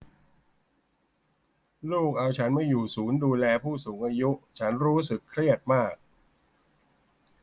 ลูกเอาฉันมาอยู่ศูนย์ดูแลผู้สูงอายุฉันรู้สึกเครียดมาก